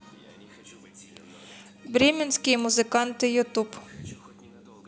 бременские музыканты ютуб